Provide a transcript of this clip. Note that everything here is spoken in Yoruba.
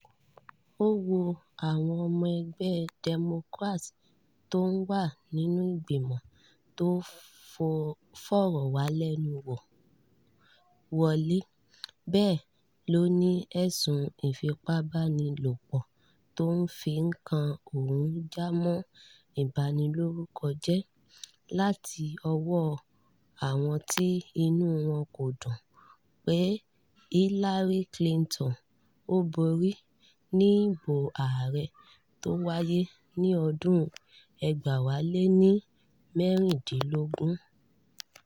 Ó wọ́ àwọn ọmọ egbẹ́ Democrat t’ọ́n wà nínú ìgbìmọ̀ tó fọ̀rọ̀walẹ́wò wọ́lẹ̀. Bẹ́ẹ̀ ló ní ẹ̀sùn ìfipábánilopò t’ọ́n fi kan òun jámọ́ “ìbanilórúkọjẹ́” láti ọwọ́ àwọn tí inú wọn ko dùn pé Hilary Clinton ‘ò borí ní ìbò ààrẹ tó wáyé ní 2016.